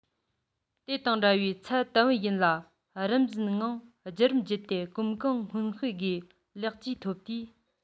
དེ དང འདྲ བའི ཚད དལ བུ ཡིན ལ རིམ བཞིན ངང རྒྱུད རིམ བརྒྱུད དེ གོམ གང སྔོན སྤོས སྒོས ལེགས བཅོས ཐོབ དུས